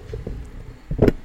San